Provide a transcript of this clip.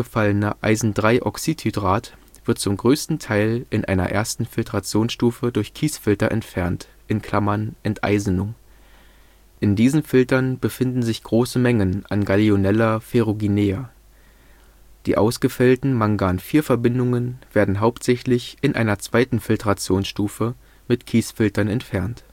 Eisen (III) - oxidhydrat wird zum größten Teil in einer ersten Filtrationsstufe durch Kiesfilter entfernt (Enteisenung). In diesen Filtern befinden sich große Mengen an Gallionella ferruginea. Die ausgefällten Mangan (IV) - Verbindungen werden hauptsächlich in einer zweiten Filtrationsstufe mit Kiesfiltern entfernt